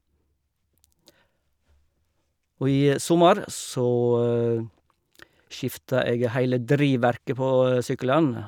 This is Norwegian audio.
Og i sommer, så skifta jeg heile drivverket på sykkelen.